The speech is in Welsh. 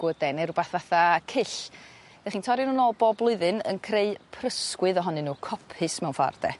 *dogwood' 'de ne' rwbath fatha cyll 'dych chi'n torri n'w nôl bob blwyddyn yn creu prysgwydd ohonyn n'w copis mewn ffor 'de?